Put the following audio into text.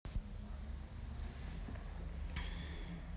ненавижу тебя мразь тупая чтобы ты сдох идиот